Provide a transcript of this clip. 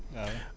waaw